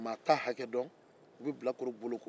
mɔgɔ t'a hakɛ dɔn u bɛ bilakorow bolo ko